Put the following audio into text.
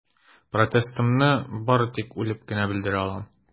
Протестымны бары тик үлеп кенә белдерә алам.